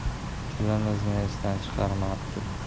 tilimizni esdan chiqarmabdi